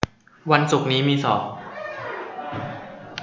วันศุกร์นี้มีสอบ